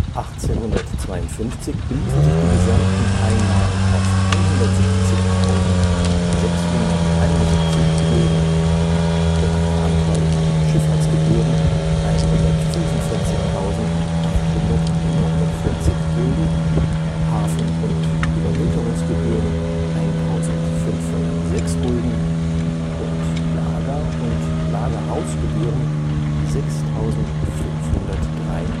1852 beliefen sich die gesamten Einnahmen auf 160.671 Gulden, wobei der Anteil an Schifffahrtsgebühren 145.849 Gulden, Hafen - und Überwinterungsgebühren 1.506 Gulden und Lager - und Lagerhausgebühren 6.583